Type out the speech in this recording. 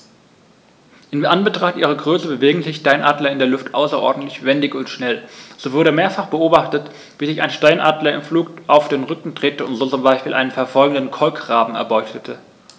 In Anbetracht ihrer Größe bewegen sich Steinadler in der Luft außerordentlich wendig und schnell, so wurde mehrfach beobachtet, wie sich ein Steinadler im Flug auf den Rücken drehte und so zum Beispiel einen verfolgenden Kolkraben erbeutete.